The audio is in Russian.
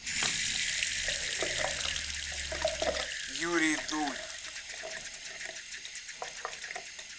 юрий дудь